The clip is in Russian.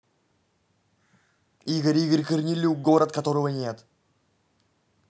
игорь игорь корнелюк город которого нет